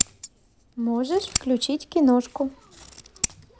можешь включить киношку